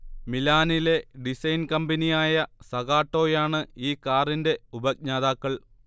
മിലാനിലെ designer കമ്പനിയായ സഗാട്ടോയാണ് ഈ കാറിന്റെ ഉപജ്ഞാതാക്കൾ